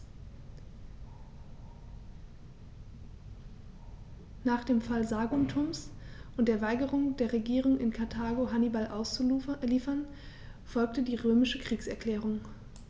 Nach dem Fall Saguntums und der Weigerung der Regierung in Karthago, Hannibal auszuliefern, folgte die römische Kriegserklärung.